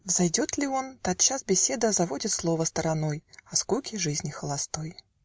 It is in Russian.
Взойдет ли он, тотчас беседа Заводит слово стороной О скуке жизни холостой